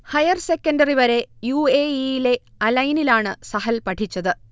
Higher secondary വരെ U. A. E. യിലെ Al ഐനിലാണു സഹൽ പഠിച്ചത്